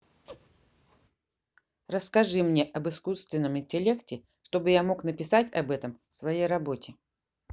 расскажи мне об искусственном интеллекте чтобы я мог написать об этом в своей работе